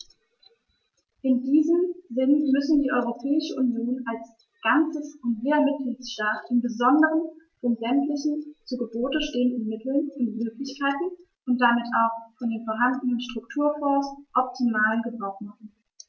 In diesem Sinne müssen die Europäische Union als Ganzes und jeder Mitgliedstaat im Besonderen von sämtlichen zu Gebote stehenden Mitteln und Möglichkeiten und damit auch von den vorhandenen Strukturfonds optimalen Gebrauch machen.